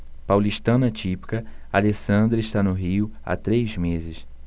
paulistana típica alessandra está no rio há três meses